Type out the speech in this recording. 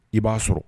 I b'a sɔrɔ